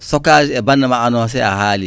stockage e banggue ma ano si e a haali